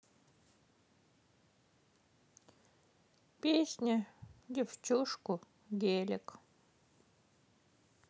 песня девчушку гелик